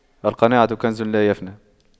القناعة كنز لا يفنى